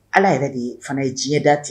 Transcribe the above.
Ala yɛrɛ de ye fana ye diɲɛ da ten